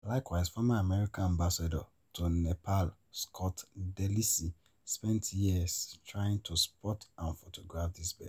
Likewise, former-American ambassador to Nepal Scott DeLisi spent years trying to spot and photograph this bird.